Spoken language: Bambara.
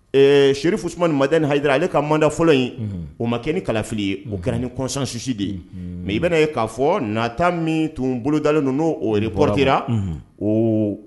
Ee seri fu ni maden ni hara ale ka mada fɔlɔ in o ma kɛ ni kala fili ye o kɛra ni kɔsansusi de ye nka i bɛna yen k'a fɔ na taa min tun bolodalen ninnu' o kɔrɔtera